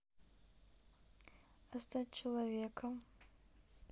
а стать человеком